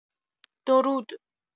درود.